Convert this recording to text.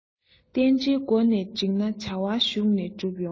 རྟེན འབྲེལ མགོ ནས འགྲིག ན བྱ བ གཞུག ནས འགྲུབ ཡོང